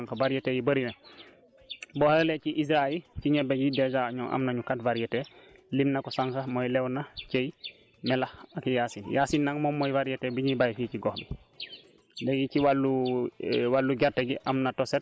léegi tamit am na am na gerte comme ni ko Omar waxee sànq variétés yi bëri na boo xoolee ci ISRA yi ñebe ji dèjà ñoom am nañu quatre variétés lim na ko sànq mooy lewna cey melax ak yaasin yaasin nag moom mooy variété bi ñuy béy fii si gox bi